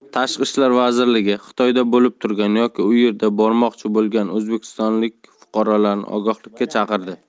tashqi ishlar vazirligi xitoyda bo'lib turgan yoki u yerga bormoqchi bo'lgan o'zbekiston fuqarolarini ogohlikka chaqirdi